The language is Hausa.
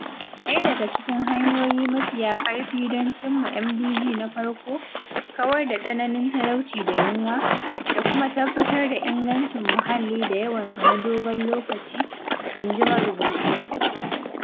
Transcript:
“Ɗaya daga cikin hanyoyi mafiya ƙarfi don cimma MDG na farko - kawar da tsananin talauci da yunwa - da kuma tabbatar da ingancin muhalli da yawansa na dogon lokaci,” in ji marubutan.